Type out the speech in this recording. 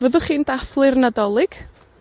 Fyddwch chi'n dathlu'r Nadolig?